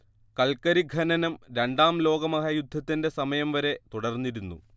കൽക്കരി ഖനനം രണ്ടാം ലോകമഹായുദ്ധത്തിന്റെ സമയം വരെ തുടർന്നിരുന്നു